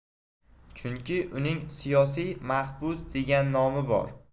chunki uning siyosiy mahbus degan nomi bor